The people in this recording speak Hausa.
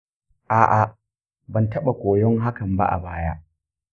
a’a, ban taɓa koyon hakan ba a baya.